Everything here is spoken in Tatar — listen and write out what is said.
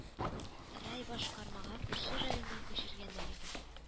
Райбашкармага күрше районнан күчергәннәр иде